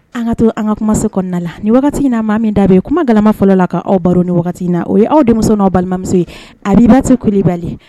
An ka to an ka kuma se kɔnɔna la ni wagati n naa mɔgɔ min da ye kuma galama fɔlɔ la k' aw baro ni wagati in na o ye aw denmuso aw balimamuso ye a b'iba tɛ kubali